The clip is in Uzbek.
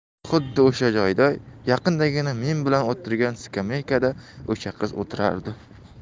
xuddi o'sha joyda yaqindagina men bilan o'tirgan skameykada o'sha qiz o'tirardi